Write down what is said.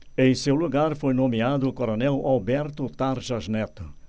em seu lugar foi nomeado o coronel alberto tarjas neto